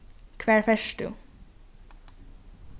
hvar fert tú